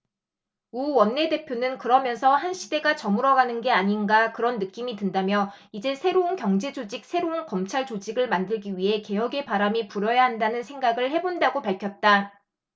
우 원내대표는 그러면서 한 시대가 저물어가는 게 아닌가 그런 느낌이 든다며 이제 새로운 경제조직 새로운 검찰조직을 만들기 위해 개혁의 바람이 불어야한다는 생각을 해 본다고 밝혔다